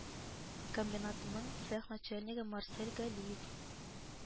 Комбинатының цех начальнигы марсель галиев